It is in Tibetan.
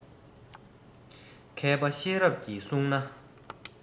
མཁས པ ཤེས རབ ཀྱིས བསྲུང ན